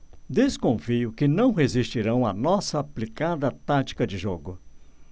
desconfio que não resistirão à nossa aplicada tática de jogo